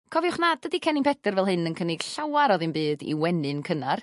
Cofiwch nad ydi cennin Pedyr fel hyn yn cynnig llawar o ddim byd i wenyn cynnar